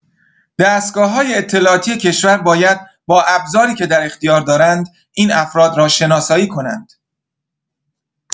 دستگاه‌های اطلاعاتی کشور باید با ابزاری که در اختیار دارند این افراد را شناسایی کنند.